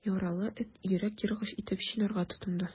Яралы эт йөрәк яргыч итеп чинарга тотынды.